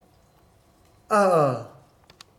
ཨ ཨ